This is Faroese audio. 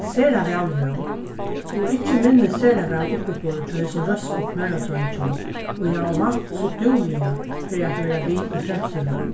sera væl róð og ikki minni sera væl uppiborið hjá hesum røsku knørradreingjum ið hava vant so dúgliga fyri at vera við í fremstu røð